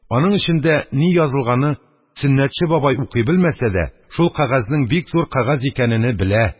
Аның эчендә ни язылганыны Сөннәтче бабай укый белмәсә дә, шул кәгазьнең бик зур кәгазь икәнене белә,